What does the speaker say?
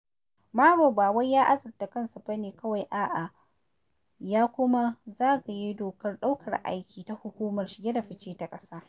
Moro ba wai ya azurta kansa bane kawai, a'a ya kuma zagayewa dokar ɗaukar aiki ta Hukumar Shige da fice ta ƙasa.